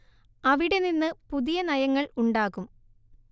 അവിടെ നിന്ന് പുതിയ നയങ്ങൾ ഉണ്ടാകും